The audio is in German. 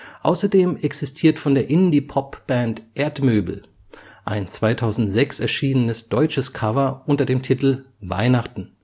Außerdem existiert von der Indie-Popband Erdmöbel ein 2006 erschienenes deutsches Cover unter dem Titel Weihnachten